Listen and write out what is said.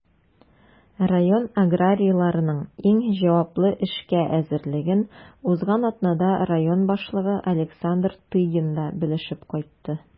Район аграрийларының иң җаваплы эшкә әзерлеген узган атнада район башлыгы Александр Тыгин да белешеп кайтты.